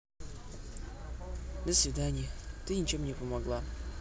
до свидания ты ничем не помогла